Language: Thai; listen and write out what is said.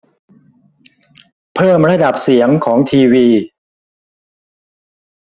เพิ่มระดับเสียงของทีวี